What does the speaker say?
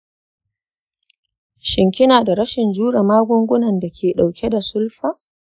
shin kina da rashin jure magungunan da ke ɗauke da sulfa?